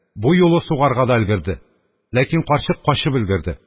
Бу юлы сугарга да өлгерде, ләкин карчык качып өлгерде.